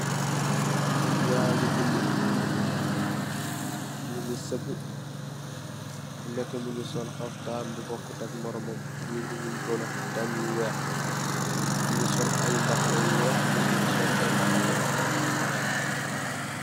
Nitt yingi juli, nu ngi saaga ku neka yangi sol xaftan bu bokut ak moromam, yi ndurey xaftan yi weex, nu ngi sol nbaxana yu weex yi nu ngi sol ay mbaxana yu nuul am lu weex.